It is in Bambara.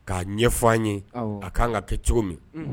K'a ɲɛ fɔ' an ye a k kan ka kɛ cogo min